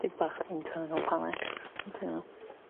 Dipyn bach internal panic ond dwi'n iawn.